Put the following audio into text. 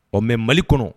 O mais Mali kɔnɔ